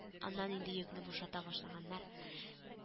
Аннан инде йөкне бушата башлаганнар